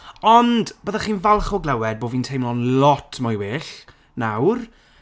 Ond byddech chi'n falch o glywed bod fi'n teimlo'n lot mwy well nawr.